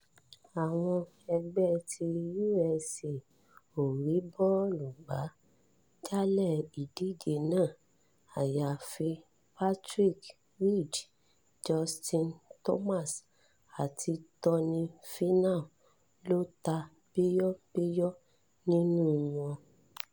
Àwọn ẹgbẹ́ ti USA ò rí bọ́ọ̀lù gbá jálẹ̀ ìdíje náà àyàfi Patrick Reed, Justin Thomas àti Tony Finau ló ta bíyọ́bíyọ́ nínú wọn.